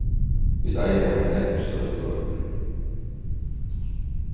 vit eiga at taka nógv størri tøk